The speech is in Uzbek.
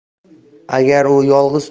agar u yolg'iz